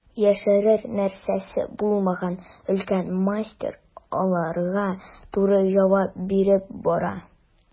Яшерер нәрсәсе булмаган өлкән мастер аларга туры җавап биреп бара.